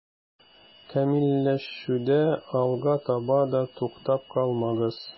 Камилләшүдә алга таба да туктап калмагыз.